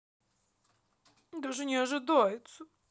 даже не ожидается